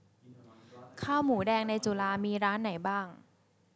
ข้าวหมูแดงในจุฬามีร้านไหนบ้าง